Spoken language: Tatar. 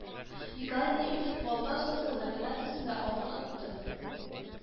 Николай Лебедев балта остасы номинациясендә алтын отты